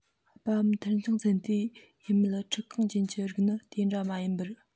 སྦ བུམ ཐུར འཕྱང ཚན ཏེ ཡུ མེད འཁྲིལ རྐང ཅན གྱི རིགས ནི དེ འདྲ མ ཡིན པར